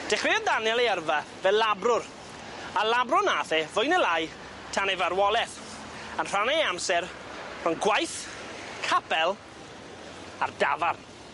Dechreuodd Daniel ei yrfa fel labrwr a labro nath e fwy ne' lai tan ei farwoleth yn rhannu ei amser rhwng gwaith, capel, a'r dafarn.